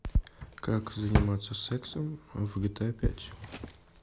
как заниматься сексом в гта пять